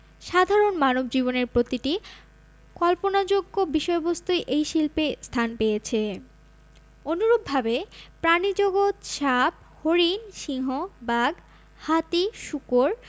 সাধারণ মানব জীবনের প্রতিটি কল্পনাযোগ্য বিষয়বস্তুই এই শিল্পে স্থান পেয়েছে অনুরূপভাবে প্রাণীজগৎ সাপ হরিণ সিংহ বাঘ হাতি শূকর